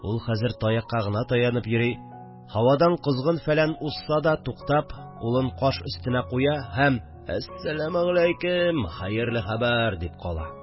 Ул хәзер таякка гына таянып йөри, һавадан козгын-фәлән узса да, туктап, кулын каш өстенә куя һәм: – Әссәләмегаләйкем, хәерле хәбәр! – дип кала